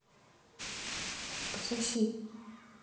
пососи